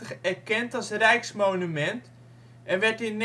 1986 erkend als rijksmonument en werd in